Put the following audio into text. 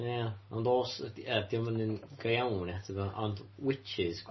Ie ond os... ydy... 'di o'm yn un go iawn ie tibod ond witches.